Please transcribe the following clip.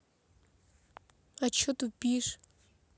а че тупишь